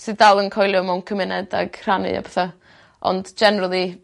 sydd dal yn coelio mewn cymuned ag rhannu a petha ond generally